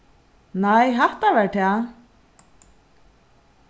nei hatta var tað